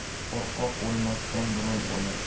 qo'rqoq o'lmasdan burun o'lar